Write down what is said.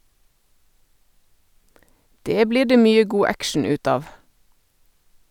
Det blir det mye god action ut av!